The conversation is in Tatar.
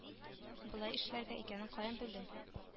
Болай эшләргә икәнен каян белдең